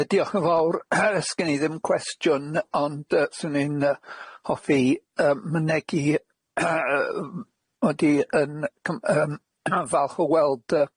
Hmm yy diolch yn fawr sgen i ddim cwestiwn ond yy swn i'n yy hoffi yy mynegi yy yym odi yn cym- yym falch o weld yy